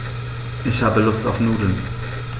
Ich habe Lust auf Nudeln.